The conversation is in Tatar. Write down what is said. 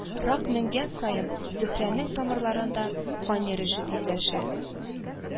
Рак менгән саен, зөһрәнең тамырларында кан йөреше тизләшә